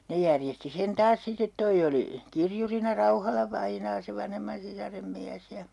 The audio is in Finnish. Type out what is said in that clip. ne järjesti sen taas sitten tuo oli kirjurina Rauhala-vainaa se vanhemman sisaren mies ja